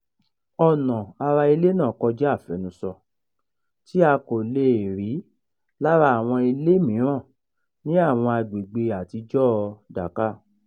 Ọnà ara ilé náà kọjá àfẹnusọ tí a kò le è rí lára àwọn ilé mìíràn ní àwọn agbègbè àtijọ́ọ Dhaka.